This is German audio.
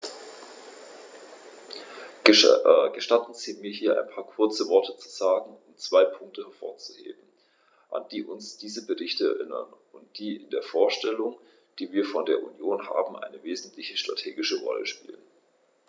Gestatten Sie mir, hier ein paar kurze Worte zu sagen, um zwei Punkte hervorzuheben, an die uns diese Berichte erinnern und die in der Vorstellung, die wir von der Union haben, eine wesentliche strategische Rolle spielen.